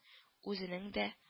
Үзенең дә